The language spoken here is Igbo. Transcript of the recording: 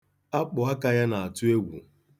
Akpụaka ya na-atụ egwu.